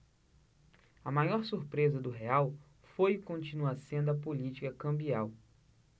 a maior surpresa do real foi e continua sendo a política cambial